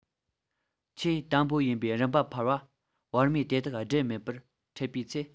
ཆེས དམ པོ ཡིན པའི རིམ པ འཕར པ བར མས དེ དག སྦྲེལ མེད པར འཕྲད པའི ཚེ